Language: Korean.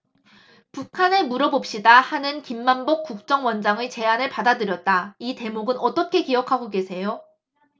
북한에 물어봅시다 하는 김만복 국정원장의 제안을 받아들였다 이 대목은 어떻게 기억하고 계세요